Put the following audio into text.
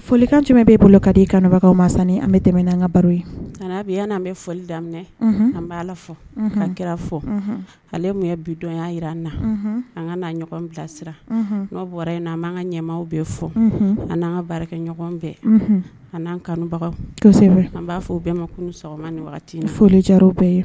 folikan caman bɛ bolo ka di kanubaga ma an bɛ tɛmɛ an ka baro ye'biya n' an bɛ foli daminɛ an bɛ ala fɔ ka kira fɔ ale ye bidɔnya jira an na an ka'a ɲɔgɔn bilasira n bɔra in na an'an ka ɲɛw bɛ fɔ an n'an ka baara kɛ ɲɔgɔn bɛɛ an n'an kanubagaw an b'a fɔ o bɛɛ ma sɔgɔma ni waati folija bɛɛ yen